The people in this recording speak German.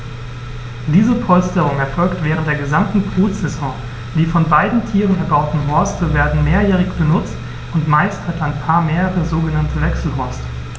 Diese Polsterung erfolgt während der gesamten Brutsaison. Die von beiden Tieren erbauten Horste werden mehrjährig benutzt, und meist hat ein Paar mehrere sogenannte Wechselhorste.